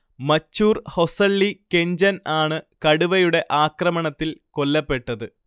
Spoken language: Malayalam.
മച്ചൂർ ഹൊസള്ളി കെഞ്ചൻ ആണ് കടുവയുടെ ആക്രമണത്തിൽ കൊല്ലപ്പെട്ടത്